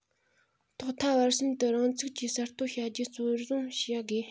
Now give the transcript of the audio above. ཐོག མཐའ བར གསུམ དུ རང ཚུགས ཀྱིས གསར གཏོད བྱ རྒྱུ གཙོར བཟུང བྱ དགོས